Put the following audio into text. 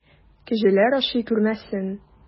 Кәҗәләр ашый күрмәсен!